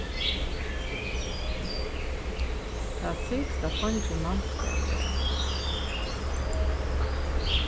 tað sigst at eingin mannskaði var